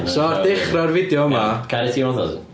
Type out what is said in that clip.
So ar dechrau'r fideo yma... Caru T one thousand...